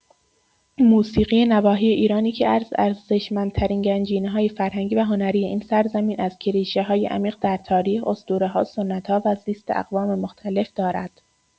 موسیقی نواحی ایران یکی‌از ارزشمندترین گنجینه‌های فرهنگی و هنری این سرزمین است که ریشه‌های عمیق در تاریخ، اسطوره‌ها، سنت‌ها و زیست اقوام مختلف دارد.